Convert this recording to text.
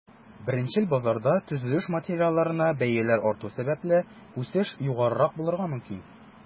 Беренчел базарда, төзелеш материалларына бәяләр арту сәбәпле, үсеш югарырак булырга мөмкин.